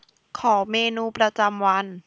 ขอเมนูประจำวัน